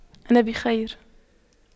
انا بخير